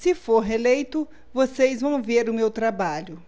se for eleito vocês vão ver o meu trabalho